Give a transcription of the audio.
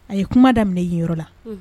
A ye kuma daminɛ yɔrɔ la